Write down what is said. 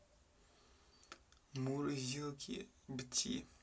мурзилки бти